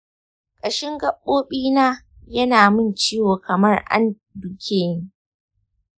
ƙashin gabobina yana min ciwo kamar an dukeni.